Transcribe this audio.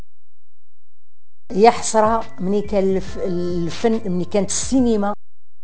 يحترق من يكلف الفنان كانستين